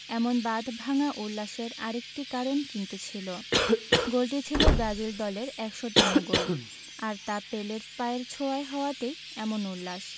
এমন বাঁধভাঙা উল্লাসের আরেকটি কারণ কিন্তু ছিল গোলটি ছিল ব্রাজিল দলের ১০০তম গোল আর তা পেলের পায়ের ছোঁয়ায় হওয়াতেই এমন উল্লাস